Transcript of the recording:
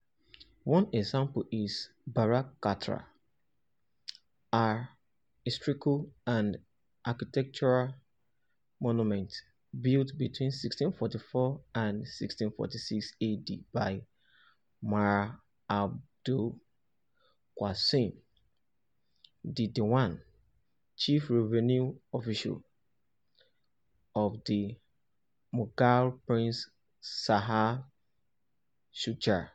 One example is Bara Katra, a historical and architectural monument built between 1644 and 1646 AD by Mir Abul Qasim, the Diwan (chief revenue official) of the Mughal prince Shah Shuja.